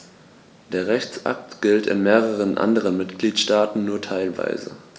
Der Rechtsakt gilt in mehreren anderen Mitgliedstaaten nur teilweise.